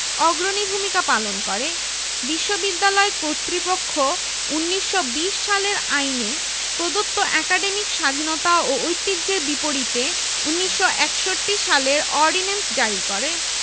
অগ্রণী ভূমিকা পালন করে বিশ্ববিদ্যালয় কর্তৃপক্ষ ১৯২০ সালের আইনে প্রদত্ত একাডেমিক স্বাধীনতা ও ঐতিহ্যের বিপরীতে ১৯৬১ সালের অর্ডিন্যান্স জারি করে